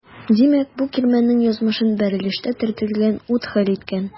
Димәк бу кирмәннең язмышын бәрелештә төртелгән ут хәл иткән.